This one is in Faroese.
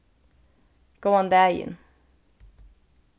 góðan dagin